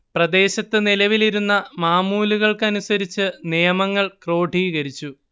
പ്രദേശത്ത് നിലവിലിരുന്ന മാമൂലൂകൾക്കനുസരിച്ച് നിയമങ്ങൾ ക്രോഡീകരിച്ചു